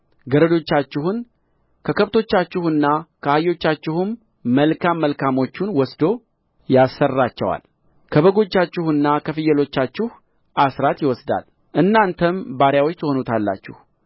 ሎሌዎቻችሁንና ገረዶቻችሁን ከከብቶቻችሁና ከአህዮቻችሁም መልካም መልካሞቹን ወስዶ ያሠራቸዋል ከበጎቻችሁና ከፍየሎቻችሁ አሥራት ይወስዳል እናንተም ባሪያዎች ትሆኑታላችሁ